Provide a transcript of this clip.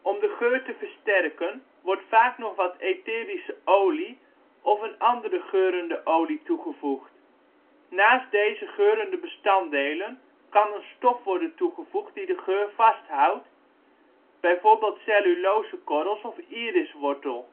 Om de geur te versterken wordt vaak nog wat etherische olie of een andere geurende olie toegevoegd. Naast deze geurende bestanddelen kan een stof worden toegevoegd die de geur vasthoudt, bijvoorbeeld cellulosekorrels of iriswortel.